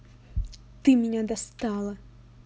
ты меня достала